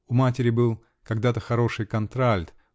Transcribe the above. У матери был когда-то хороший контральт